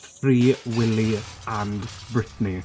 Free Willy and Brittany.